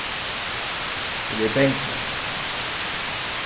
vit eru bangnar